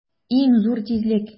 Иң зур тизлек!